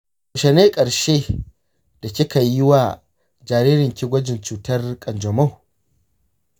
yaushe ne ƙarshe da kika yi wa jaririnki gwajin cutar ƙanjamau?